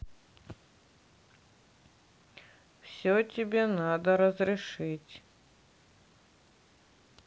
все тебе надо разрешить